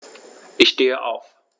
Ich stehe auf.